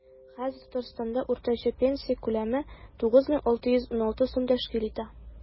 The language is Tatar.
Хәзер Татарстанда уртача пенсия күләме 9616 сум тәшкил итә.